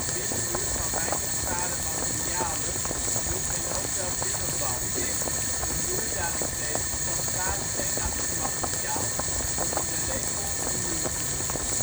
binnenmuur van weinig zware materialen noemt men ook wel binnenwand, een muur daarentegen van zwaar steenachtig materiaal wordt in de regel een muur genoemd